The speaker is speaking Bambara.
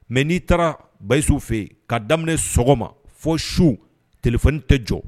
Mais n'i taara Basiyisu fɛ yen, k'a daminɛ sɔgɔma fɔ su telephone tɛ jɔ.